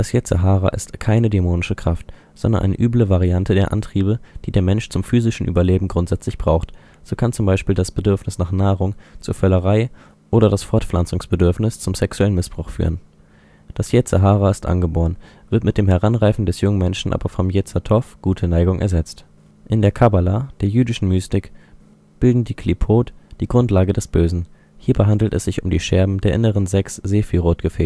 Yetzer hara ist keine dämonische Kraft, sondern eine üble Variante der Antriebe, die der Mensch zum physischen Überleben grundsätzlich braucht. So kann z. B. das Bedürfnis nach Nahrung zur Völlerei oder das Fortpflanzungsbedürfnis zum sexuellen Missbrauch führen. Das Yetzer hara ist angeboren, wird mit dem Heranreifen des jungen Menschen aber vom Yetzer tov („ gute Neigung “) ersetzt. In der Kabbala, der jüdischen Mystik, bilden die Qlīpōt die Grundlage des Bösen. Hierbei handelt es sich um die Scherben der inneren sechs Sephiroth-Gefäße